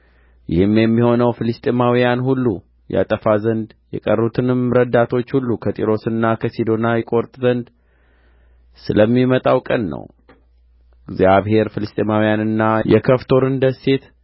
ይህም የሚሆነው ፍልስጥኤማውያንን ሁሉ ያጠፋ ዘንድ የቀሩትንም ረዳቶች ሁሉ ከጢሮስና ከሲዶና ይቈርጥ ዘንድ ስለሚመጣው ቀን ነው እግዚአብሔር ፍልስጥኤማውያንና የከፍቶርን ደሴት